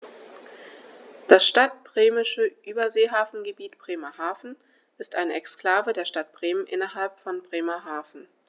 Das Stadtbremische Überseehafengebiet Bremerhaven ist eine Exklave der Stadt Bremen innerhalb von Bremerhaven.